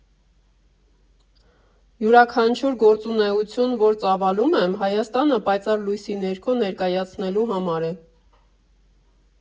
Յուրաքանչյուր գործունեություն, որ ծավալում եմ՝ Հայաստանը պայծառ լույսի ներքո ներկայացնելու համար է։